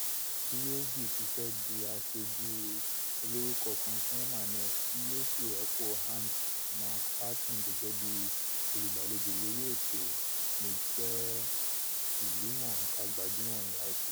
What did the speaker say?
Willioughby tifẹ di aṣojú olorúkọ kan fún M&S tí yóò sì rọ́pò Ant McPartlin gẹgẹ bíi olùgbàlejò lórí ètò Mo jẹ́ Ìlúmọ̀ńká Gbajúmọ̀ ni ITV.